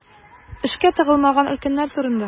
Эшкә тыгылмаган өлкәннәр турында.